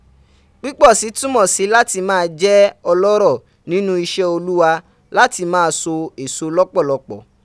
Piposi tumo si lati ma je oloro ninu ise oluwa lati ma so eso lopolopo,